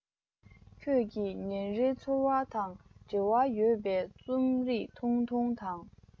ཁྱོད ཀྱི ཉིན རེའི ཚོར བ དང འབྲེལ བ ཡོད པའི རྩོམ རིག ཐུང ཐུང དང